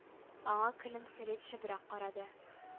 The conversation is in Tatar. Аңа көлемсери төшебрәк карады